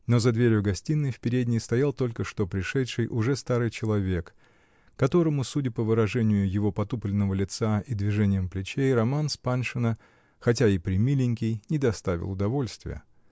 но за дверью гостиной в передней стоял только что пришедший, уже старый человек, которому, судя по выражению его потупленного лица и движениям плечей, романс Паншина, хотя и премиленький, не доставил удовольствия.